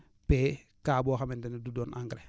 P K boo xamante ni du doon engrais